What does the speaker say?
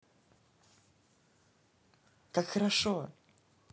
как хорошо